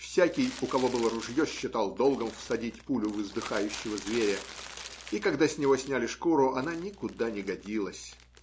Всякий, у кого было ружье, считал долгом всадить пулю в издыхающего зверя, и когда с него сняли шкуру, она никуда не годилась.